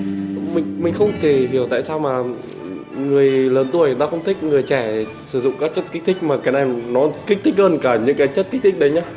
mình mình không thể hiểu tại sao mà người lớn tuổi người ta không thích người trẻ sử dụng các chất kích thích mà cái này nó kích thích hơn cả những cái chất kích thích đấy nhá